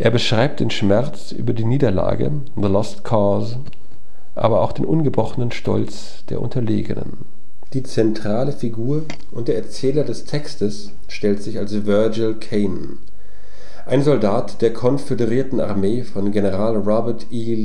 beschreibt den Schmerz über die Niederlage (The Lost Cause) aber auch den ungebrochenen Stolz der Unterlegenen. Die zentrale Figur und Erzähler des Textes stellt sich als Virgil Caine, ein Soldat der konföderierten Armee von General Robert E. Lee